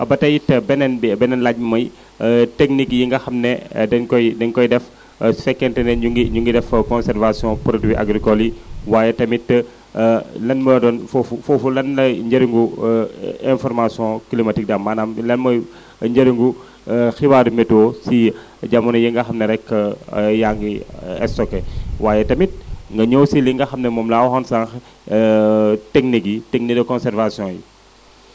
ba tey it beneen bi beneen laaj bi mooy technique yi nga xam ne dañ koy dañ koy def su fekkente ne ñu ngi ñu ngi def conservation produits agricoles yi waaye tamit lan moo doon foofu foofu lan lay njëriñu information climatique Dame maanaam lan mooy njëriñu xibaar météo si jamono yi nga xam ne rek yaa ngi stocké waaye tamit nga ñëw si li nga xam ne moom laa waxoon sànq techniques yi technique de conservation yi